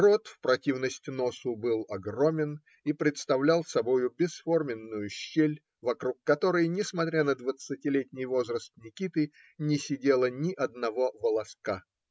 рот, в противность носу, был огромен и представлял собою бесформенную щель, вокруг которой, несмотря на двадцатилетний возраст Никиты, не сидело ни одного волоска.